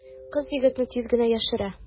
Кыз егетне тиз генә яшерә.